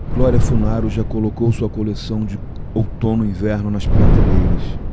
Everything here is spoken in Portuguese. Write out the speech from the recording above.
glória funaro já colocou sua coleção de outono-inverno nas prateleiras